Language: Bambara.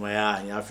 'a